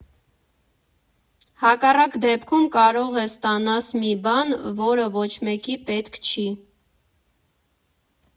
Հակառակ դեպքում, կարող է ստանաս մի բան, որը ոչ մեկի պետք չի։